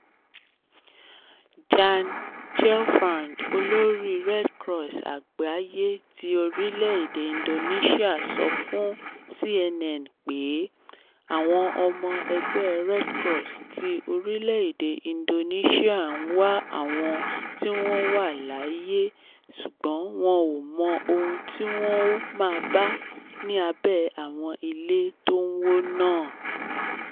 Jan Gelfand, olórí Red Cross Àgbáyé ti orílẹ̀-èdè Indonesia sọ fún CNN pé: “Awọn ọmọ ẹgbẹ́ Red Cross ti orílẹ̀-èdè Indonesia ń wá àwọn tí wọ́n wà láàyè sùgbọ́n wọn ‘ò mọ ohun tí wọ́n máa bá ní abẹ́ àwọn ilé t’ọ́n wọ́n náà.